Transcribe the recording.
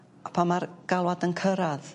A pan ma'r galwad yn cyrradd